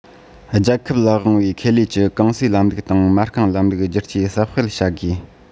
རྒྱལ ཁབ ལ དབང བའི ཁེ ལས ཀྱི ཀུང སིའི ལམ ལུགས དང མ རྐང ལམ ལུགས བསྒྱུར བཅོས ཟབ སྤེལ བྱ དགོས